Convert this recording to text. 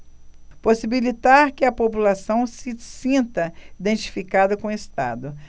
possibilitar que a população se sinta identificada com o estado